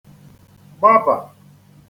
-gbabà